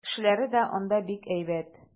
Кешеләре дә анда бик әйбәт.